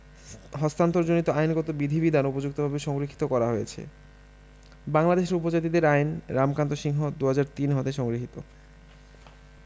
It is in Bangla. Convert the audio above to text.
হস্তান্তরজনিত আইনগত বিধিবিধান উপযুক্তভাবে সংরক্ষিত করা হয়েছে বাংলাদেশের উপজাতিদের আইন রামকান্ত সিংহ ২০০৩ হতে সংগৃহীত